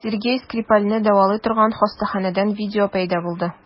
Сергей Скрипальне дәвалый торган хастаханәдән видео пәйда булды.